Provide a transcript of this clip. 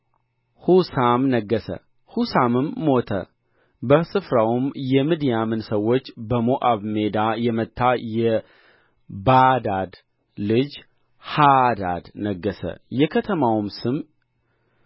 ሑሳም ነገሠ ሑሳምም ሞተ በስፍራውም የምድያምን ሰዎች በሞዓብ ሜዳ የመታ የባዳድ ልጅ ሃዳድ ነገሠ የከተማውም ስም